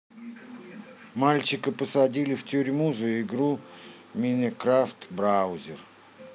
мальчика посадили в тюрьму за игру в minecraft браузер